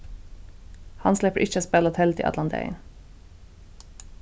hann sleppur ikki at spæla teldu allan dagin